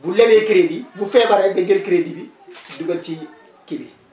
bu lebee crédit bu feebaree day jël crédit bi dugal ci kii bi